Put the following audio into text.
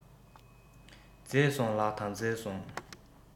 མཛེས སོང ལགས དང མཛེས སོང